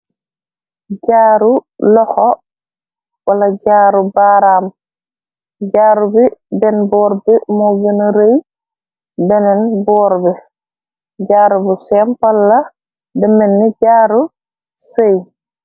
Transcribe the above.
Jaaru loxo, wala jaaru baaraam. Jaaru bi denn boor bi moo gëna rëy denen boor bi, jaaru bi sempalla , lu menni jaaru sëy.